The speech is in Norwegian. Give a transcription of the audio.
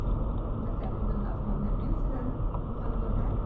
Dette er på grunn av mannen min, siden han han bor her.